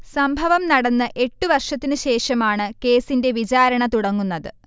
സംഭവം നടന്ന് എട്ടു വർഷത്തിന് ശേഷമാണ് കേസിന്റെ വിചാരണ തുടങ്ങുന്നത്